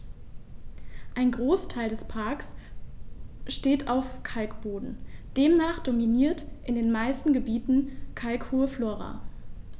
Ein Großteil des Parks steht auf Kalkboden, demnach dominiert in den meisten Gebieten kalkholde Flora.